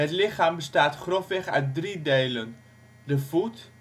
lichaam bestaat grofweg uit drie delen, de voet